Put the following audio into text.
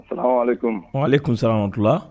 Ale kun sirankura